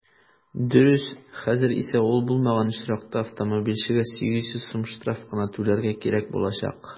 Дөрес, хәзер исә ул булмаган очракта автомобильчегә 800 сум штраф кына түләргә кирәк булачак.